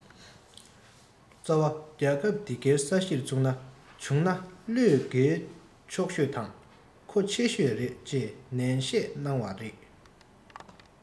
རྩ བ རྒྱལ ཁབ དེ གའི ས གཞིར ཚུགས ན བྱུང ན བློས འགེལ ཆོག ཤོས དང མཁོ ཆེ ཤོས རེད ཅེས ནན བཤད གནང བ རེད